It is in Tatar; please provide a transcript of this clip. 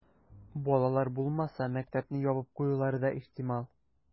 Балалар булмаса, мәктәпне ябып куюлары да ихтимал.